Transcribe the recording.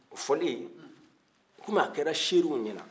o fɔlen komi a kɛra seerew ɲɛna